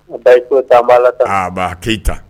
U da so ta bala la taaba keyitayita